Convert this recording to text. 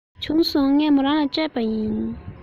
བྱུང སོང ངས མོ རང ལ སྤྲད པ ཡིན